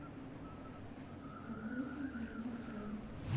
смотреть индиана джонс